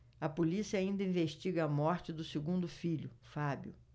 a polícia ainda investiga a morte do segundo filho fábio